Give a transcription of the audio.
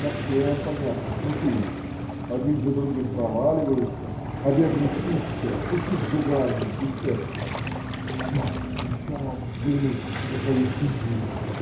Совсем, понятно, смутились, один за другим проваливаются, а бедный Чиччо стучит зубами и шепчет: "дай еще раз взглянуть на твою физию.